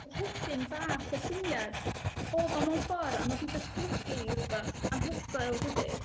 Hedyn bach o syniad oedd o mewn ffor', a mae 'di datblygu i rywbeth anhygoel dydy?